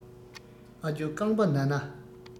ཨ སྐྱོ རྐང པ ན ན